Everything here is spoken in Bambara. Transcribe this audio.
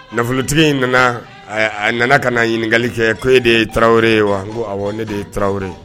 Nafolotigi in nana a nana ka na ɲininkakali kɛ ko e de ye taraweleo ye wa ko ne de ye taraweleo ye